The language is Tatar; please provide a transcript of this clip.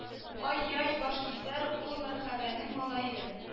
Ай-яй башкисәр ул мәрхәбәнең малае